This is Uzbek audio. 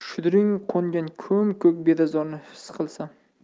shudring qo'ngan ko'm ko'k bedazorni xis qilsam